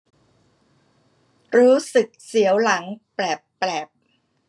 รู้สึกเสียวหลังแปลบแปลบ